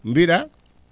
mbi?aa